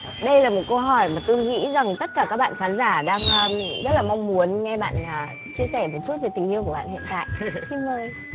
đây là một câu hỏi mà tôi nghĩ rằng tất cả các bạn khán giả đang rất là mong muốn nghe bạn chia sẻ một chút về tình yêu của bạn hiện tại xin mời